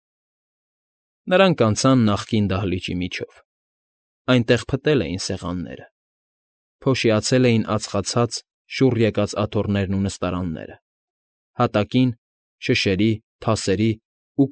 Նրանք անցան նախկին դահլիճի միջով. այնտեղ փտել էին սեղանները, փոշիացել էին ածխացած, շուռ եկած աթոռներն ու նստարանները. հատակին, շշերի, թասերի ու։